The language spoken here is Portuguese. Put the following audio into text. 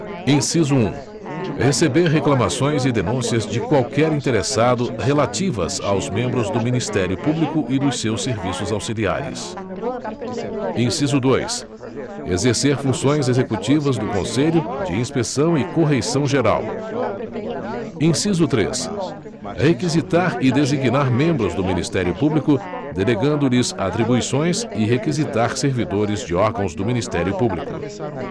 inciso um receber reclamações e denúncias de qualquer interessado relativas aos membros do ministério público e dos seus serviços auxiliares inciso dois exercer funções executivas do conselho de inspeção e correição geral inciso três requisitar e designar membros do ministério público delegando lhes atribuições e requisitar servidores de órgãos do ministério público